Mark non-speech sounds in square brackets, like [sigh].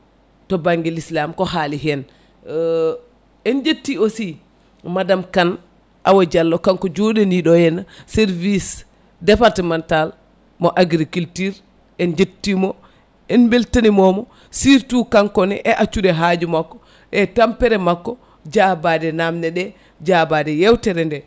to banggue l' islame :frako haali hen [hesitation] en jatti aussi Madame Kane Awo Diallo kanko joɗaniɗo henna service départemental mo agriculture en jettimo en beltanimomo surtout kankone e accude haaju makko e tampere makko jabade namde ɗe jabade yewtere nde